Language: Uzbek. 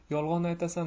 yolg'on aytasan